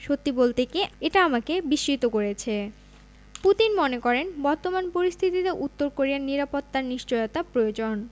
সত্যি কথা বলতে কি এটা আমাকে বিস্মিত করেছে পুতিন মনে করেন বর্তমান পরিস্থিতিতে উত্তর কোরিয়ার নিরাপত্তার নিশ্চয়তা প্রয়োজন